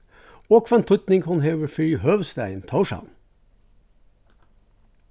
og hvønn týdning hon hevur fyri høvuðsstaðin tórshavn